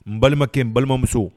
N balimakɛ n balimamuso